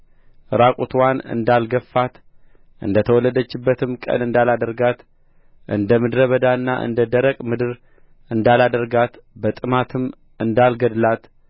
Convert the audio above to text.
ዕራቁትዋን እንዳልገፍፋት እንደ ተወለደችበትም ቀን እንዳላደርጋት እንደ ምድረ በዳና እንደ ደረቅ ምድር እንዳላደርጋት በጥማትም እንዳልገድላት